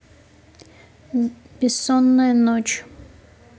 бессонная ночь